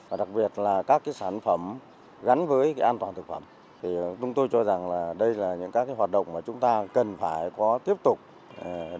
và đặc biệt là các cái sản phẩm gắn với cái an toàn thực phẩm thì chúng tôi cho rằng là đây là những các cái hoạt động mà chúng ta cần phải có tiếp tục